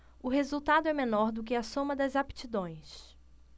o resultado é menor do que a soma das aptidões